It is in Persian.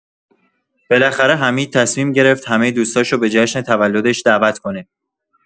بلاخره حمید تصمیم گرفت همه دوستاشو به جشن تولدش دعوت کنه.